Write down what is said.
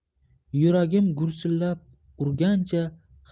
yuragim gursillab urgancha